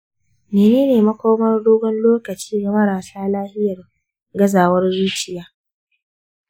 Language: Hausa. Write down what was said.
menene makomar dogon lokaci ga marasa lafiyar gazawar zuciya?